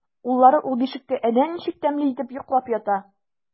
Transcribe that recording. Уллары ул бишектә әнә ничек тәмле итеп йоклап ята!